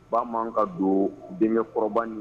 Ba man ka don denkɛ kɔrɔba ni